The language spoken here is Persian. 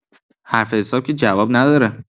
حرف حساب که جواب نداره!